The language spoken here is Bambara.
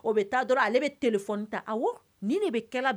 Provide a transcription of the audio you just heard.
Ale bɛ ta